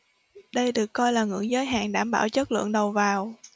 đây được coi là ngưỡng giới hạn đảm bảo chất lượng đầu vào